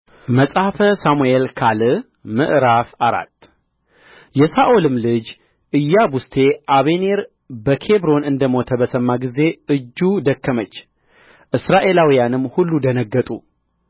መጽሐፈ ሳሙኤል ካል ምዕራፍ አራት የሳኦልም ልጅ ኢያቡስቴ አበኔር በኬብሮን እንደ ሞተ በሰማ ጊዜ እጁ ደከመች እስራኤላውያንም ሁሉ ደነገጡ